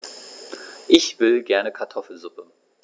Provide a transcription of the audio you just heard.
Ich will gerne Kartoffelsuppe.